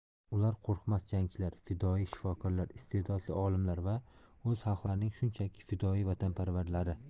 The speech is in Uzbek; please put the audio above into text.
ular qo'rqmas jangchilar fidoyi shifokorlar iste'dodli olimlar va o'z xalqlarining shunchaki fidoyi vatanparvarlari